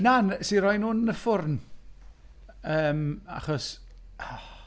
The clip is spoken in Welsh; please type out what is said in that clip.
Na, wnes i roi nhw'n y ffwrn. Yym achos ...